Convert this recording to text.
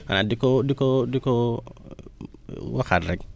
ah di ko di ko di ko waxaat rek